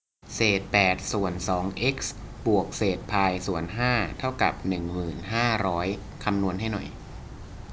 เศษแปดส่วนสองเอ็กซ์บวกเศษพายส่วนห้าเท่ากับหนึ่งหมื่นห้าร้อยคำนวณให้หน่อย